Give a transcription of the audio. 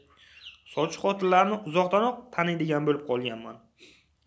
sovchi xotinlarni uzoqdanoq taniydigan bo'lib qolganman